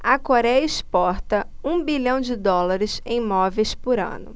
a coréia exporta um bilhão de dólares em móveis por ano